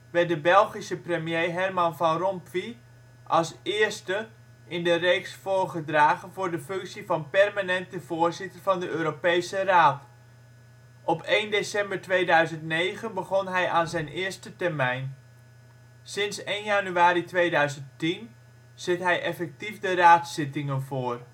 werd de Belgische premier Herman Van Rompuy als eerste in de reeks voorgedragen voor de functie van permanente voorzitter van de Europese Raad. Op 1 december 2009 begon hij aan zijn eerste termijn. Sinds 1 januari 2010 zit hij effectief de Raadszittingen voor